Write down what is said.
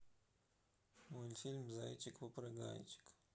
мультфильм зайчик попрыгайчик